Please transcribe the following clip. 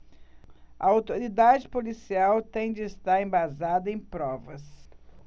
a autoridade policial tem de estar embasada em provas